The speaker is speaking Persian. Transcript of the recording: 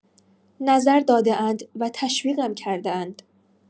نظر داده‌اند و تشویقم کرده‌اند.